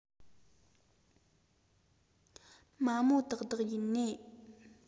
མ མོ དག དག ཡོན ནིས